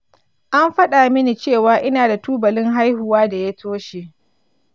an faɗa mini cewa ina da tubalin haihuwa da ya toshe.